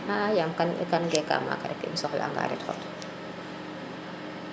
xa a yaam kam geka maga rek um soxla anga um ret xot